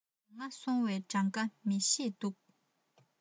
དེ སྔ སོང བའི གྲངས ཀ མི ཤེས འདུག